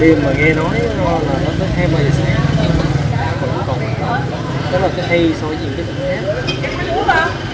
đặc biệt là nghe nó ở bình dương có cái chợ đêm tới hai ba giờ sáng nó vẫn còn hoạt động đó là cái hay so với những tỉnh khác